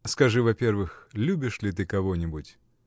— Скажи, во-первых, любишь ли ты кого-нибудь?.